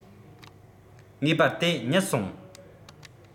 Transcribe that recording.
ངེས པར དེ གཉིད སོང